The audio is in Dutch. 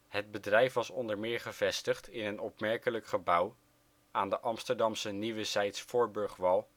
Het bedrijf was onder meer gevestigd in een opmerkelijk gebouw aan de Amsterdamse Nieuwezijds Voorburgwal